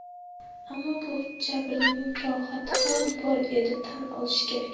ammo bu jabrning rohati ham bor edi tan olish kerak